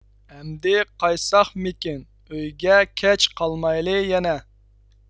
ئەمدى قايتساقمىكىن ئۆيگە كەچ قالمايلى يەنە